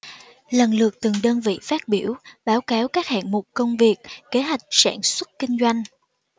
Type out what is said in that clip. lần lượt từng đơn vị phát biểu báo cáo các hạng mục công việc kế hoạch sản xuất kinh doanh